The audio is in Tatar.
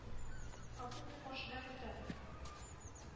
”попутный“ машина көтәм.